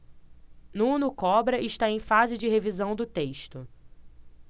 nuno cobra está em fase de revisão do texto